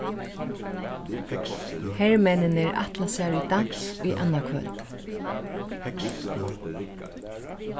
hermenninir ætla sær í dans í annaðkvøld